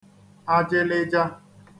ajịlịja